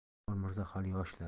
bobur mirzo hali yoshlar